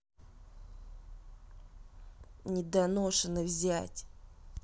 недоношенный взять